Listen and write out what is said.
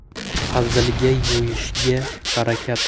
hazilga yo'yishga harakat